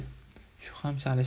shu ham chalish